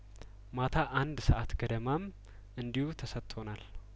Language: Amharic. ማታ አንድ ሰአት ገደማም እንዲሁ ተሰጥቶናል